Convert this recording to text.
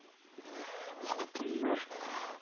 Хатыннар